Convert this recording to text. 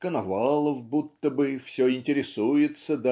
Коновалов будто бы все интересуется